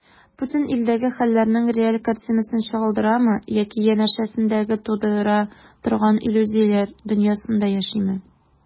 Путин илдәге хәлләрнең реаль картинасын чагылдырамы яки янәшәсендәгеләр тудыра торган иллюзияләр дөньясында яшиме?